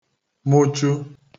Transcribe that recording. mụchu